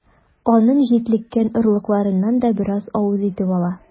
Аның җитлеккән орлыкларыннан да бераз авыз итеп ала.